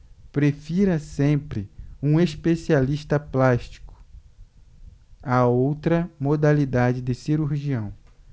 prefira sempre um especialista plástico a outra modalidade de cirurgião